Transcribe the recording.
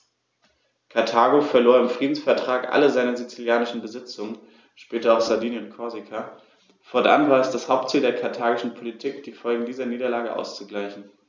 Karthago verlor im Friedensvertrag alle seine sizilischen Besitzungen (später auch Sardinien und Korsika); fortan war es das Hauptziel der karthagischen Politik, die Folgen dieser Niederlage auszugleichen.